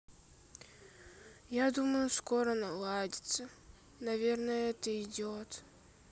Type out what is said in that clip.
я думаю скоро наладится наверное это идет